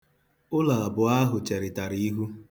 Ụlọ abụọ ahụ cherịtara ihu.